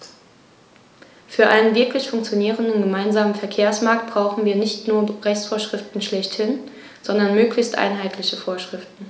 Für einen wirklich funktionierenden gemeinsamen Verkehrsmarkt brauchen wir nicht nur Rechtsvorschriften schlechthin, sondern möglichst einheitliche Vorschriften.